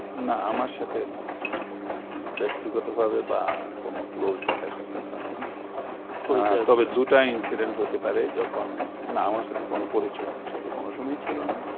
আমার সাথে ব্যক্তিগতভাবে বা কোন ক্লোজ দেখা সাক্ষাৎ হয়নি তবে পরিচয় ছিল দুইটা ইন্সিডেন্ট হতে পারে যখন না আমার সাথে কোন পরিচয় উনার সাথে কোন সময়ই ছিল না